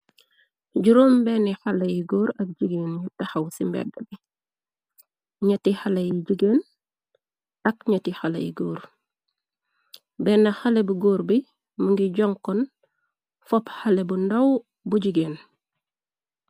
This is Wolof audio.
Juróom benn xalé yi góor ak jigéen yu taxaw ci mbedd bi gñetti xalé yi jigéen ak gñetti xalé yi góor bénn xalé bu góor bi mu ngi jonkoon fopp xalé bu ndaw bu jigéen.